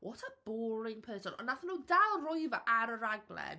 what a boring person, ond wnaethon nhw dal rhoi fe ar y raglen.